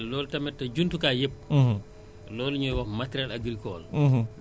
loolu tamit ndax assurance bi am na lu mu ci war a mën a bu fekkente ne moom demoon na assurer ji ko